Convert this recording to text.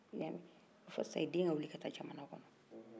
i y'a mɛ fo sisan i den ka wili ka taa jamana kɔnɔ